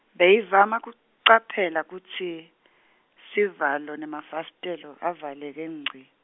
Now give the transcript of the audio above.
Beyivama kucaphela kutsi sivalo nemafasitelo avaleke ngci.